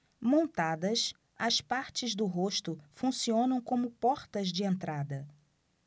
montadas as partes do rosto funcionam como portas de entrada